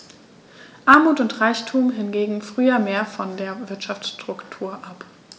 Armut und Reichtum hingen früher mehr von der Wirtschaftsstruktur ab.